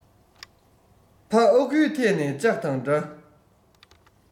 ཕ ཨ ཁུའི ཐད ན ལྕགས དང འདྲ